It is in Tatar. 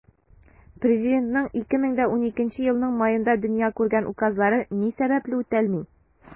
Президентның 2012 елның маенда дөнья күргән указлары ни сәбәпле үтәлми?